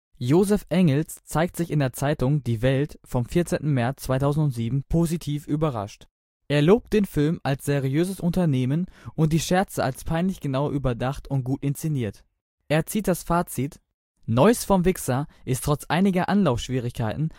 Josef Engels zeigt sich in der Zeitung Die Welt vom 14. März 2007 positiv überrascht. Er lobt den Film als seriöses Unternehmen und die Scherze als peinlich genau überdacht und gut inszeniert. Er zieht das Fazit: „ Neues vom Wixxer ist trotz einiger Anlaufschwierigkeiten